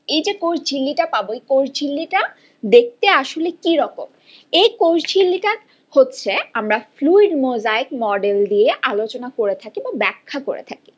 এই যে কোষ ঝিল্লি টা পাবো এই কোষ ঝিল্লি টা দেখতে আসলে কি রকম এ কোষ ঝিল্লি টা হচ্ছে আমরা ফ্লুইড মোজাইক মডেল দিয়ে আলোচনা করে থাকি বা ব্যাখ্যা করে থাকি